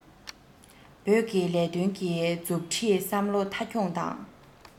བོད ཀྱི ལས དོན གྱི མཛུབ ཁྲིད བསམ བློ མཐའ འཁྱོངས དང